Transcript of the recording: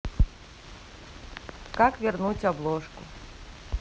как вернуть обложку